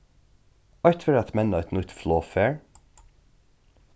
eitt var at menna eitt nýtt flogfar